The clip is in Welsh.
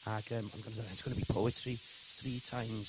ac yym i'm gonna do... it's going to be poetry, three times,